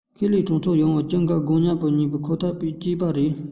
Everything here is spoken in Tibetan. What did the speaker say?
ཁས ལེན གྲོང ཚོ ཡོངས ཀྱི སྤྱིའི འགག སྒོ ཉག གཅིག ཁོ ན སྤྱད པ རེད